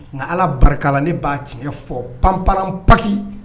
Nka ala barika la ne b'a tiɲɛ fɔ panpran paki